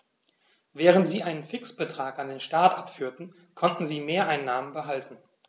Während sie einen Fixbetrag an den Staat abführten, konnten sie Mehreinnahmen behalten.